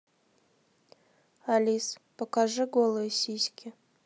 алис покажи голые сиськи